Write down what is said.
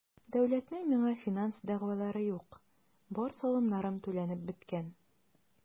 Дәүләтнең миңа финанс дәгъвалары юк, бар салымнарым түләнеп беткән.